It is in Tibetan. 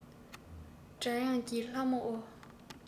སྒྲ དབྱངས ཀྱི ལྷ མོ ཨོ